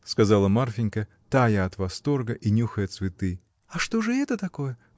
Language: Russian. — сказала Марфинька, тая от восторга и нюхая цветы. — А что же это такое?